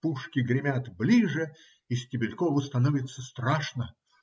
пушки гремят ближе, и Стебелькову становится страшно.